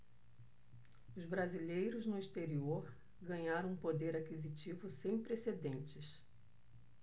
os brasileiros no exterior ganharam um poder aquisitivo sem precedentes